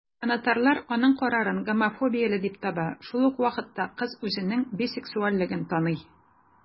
Җанатарлар аның карарын гомофобияле дип таба, шул ук вакытта кыз үзенең бисексуальлеген таный.